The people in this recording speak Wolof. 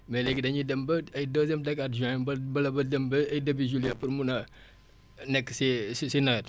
mais léegi dañuy dem ba ay deuxième décate juin ba ba le ba dem ba ay début juillet pour mun a nekk si si si nawet